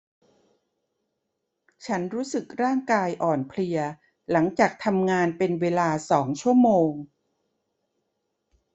ฉันรู้สึกร่างกายอ่อนเพลียหลังจากทำงานหลังเป็นเวลาสองชั่วโมง